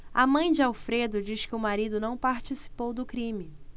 a mãe de alfredo diz que o marido não participou do crime